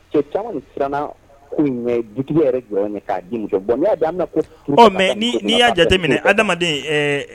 Caman siran du yɛrɛ jɔ'a mɛ n'i y'a jateminɛ adamaden